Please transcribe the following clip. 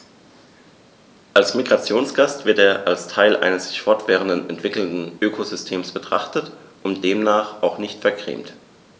Als Migrationsgast wird er als Teil eines sich fortwährend entwickelnden Ökosystems betrachtet und demnach auch nicht vergrämt.